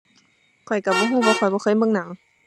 ข้อยก็บ่ก็ เพราะข้อยบ่เคยเบิ่งหนัง